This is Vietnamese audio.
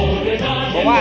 bỏ qua